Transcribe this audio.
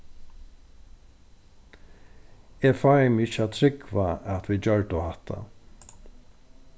eg fái meg ikki at trúgva at vit gjørdu hatta